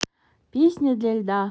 песня для льда